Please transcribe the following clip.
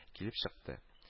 Килеп чыкты